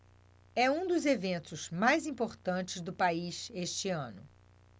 é um dos eventos mais importantes do país este ano